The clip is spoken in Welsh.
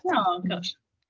O, gosh.